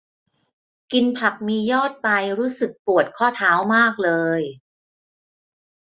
กินผักมียอดไปรู้สึกปวดข้อเท้ามากเลย